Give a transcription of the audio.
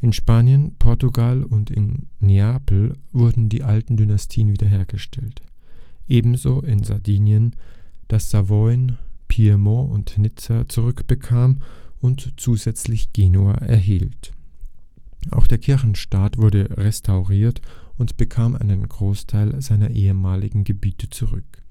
Spanien, Portugal und in Neapel wurden die alten Dynastien wiederhergestellt. Ebenso in Sardinien, das Savoyen, Piemont und Nizza zurückbekam und zusätzlich Genua erhielt. Auch der Kirchenstaat wurde restauriert und bekam einen Großteil seiner ehemaligen Gebiete zurück